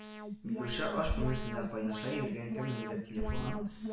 Миләүшә аш бүлмәсендә кайнаша йөргән кемнеңдер телефонын